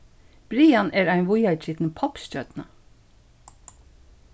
brian er ein víðagitin poppstjørna